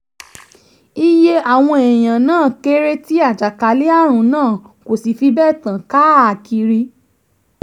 Iye àwọn èèyàn náà kéré tí àjàkálẹ̀-àrùn náà kò sì fi bẹ́ẹ̀ tàn káàkiri.